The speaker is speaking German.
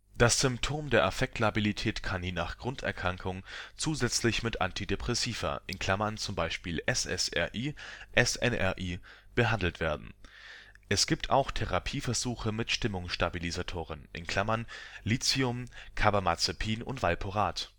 Das Symptom der Affektlabilität kann je nach Grunderkrankung zusätzlich mit Antidepressiva (z.B. SSRI, SNRI) behandelt werden. Es gibt auch Therapieversuche mit Stimmungsstabilisatoren (Lithium, Carbamazepin, Valproat